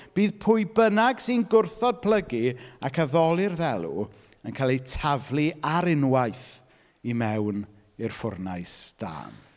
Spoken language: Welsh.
Bydd pwy bynnag sy'n gwrthod plygu ac addoli'r ddelw yn cael eu taflu ar unwaith i mewn i'r ffwrnais dân.